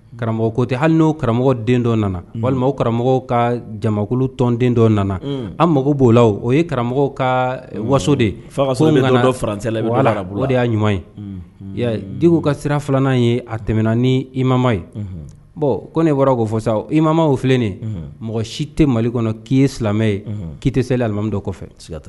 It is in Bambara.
Karamɔgɔ kotɛ hali n'o karamɔgɔ den dɔ nana walima o karamɔgɔ ka jamankolon tɔnden dɔ nana an mago b'olaw o ye karamɔgɔ ka waso de fangasoran de y'a ɲuman ye di ka sira filanan ye a tɛmɛna ni imama ye bɔn ko ne bɔra ko fɔ sa ima o filɛlen mɔgɔ si tɛ mali kɔnɔ k'i ye silamɛ ye k'i tɛ selilimamidɔ kɔfɛ